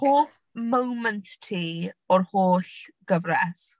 Hoff moment ti o'r holl gyfres?